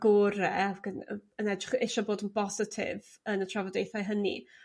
gŵr a- ac yn yy yn edrych yy isio bod yn bositif yn y trafodaethau hynny.